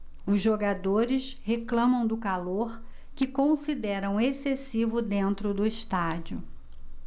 os jogadores reclamam do calor que consideram excessivo dentro do estádio